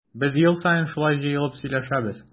Без ел саен шулай җыелып сөйләшәбез.